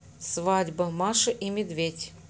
свадьба маша и медведя